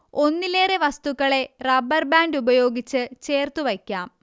ഒന്നിലെറെ വസ്തുക്കളെ rubber band ഉപയോഗിച്ച് ചേർത്തു വയ്ക്കാം